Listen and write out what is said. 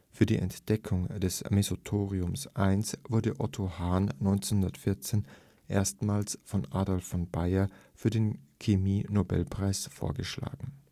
Für die Entdeckung des Mesothoriums I wurde Otto Hahn 1914 erstmals von Adolf von Baeyer für den Chemie-Nobelpreis vorgeschlagen